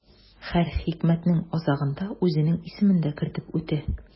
Һәр хикмәтнең азагында үзенең исемен дә кертеп үтә.